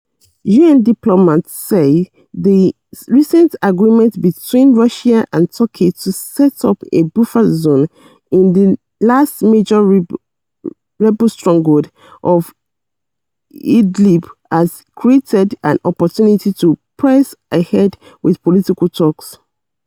UN diplomats say a recent agreement between Russia and Turkey to set up a buffer zone in the last major rebel stronghold of Idlib has created an opportunity to press ahead with political talks.